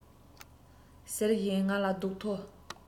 ཟེར བཞིན ང ལ རྡོག ཐོ